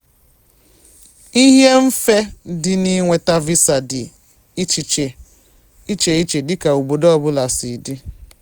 idi mfe dị n'inweta visa dị icheiche dịka obodo ọbula si dị.